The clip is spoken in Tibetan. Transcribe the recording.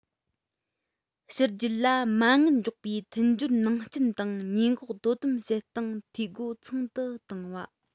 ཕྱི རྒྱལ ལ མ དངུལ འཇོག པའི མཐུན སྦྱོར ནང རྐྱེན དང ཉེན འགོག དོ དམ བྱེད སྟངས འཐུས སྒོ ཚང དུ གཏོང བ